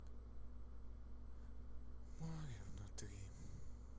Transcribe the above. море внутри